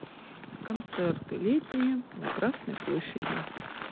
концерты летние на красной площади